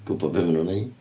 Gwybod be ma nhw'n wneud.